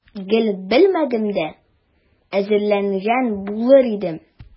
Гел белмәдем дә, әзерләнгән булыр идем.